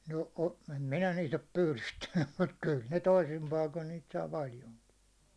no - en minä niitä ole pyydystänyt mutta kyllä ne toisin paikoin niitä saa paljonkin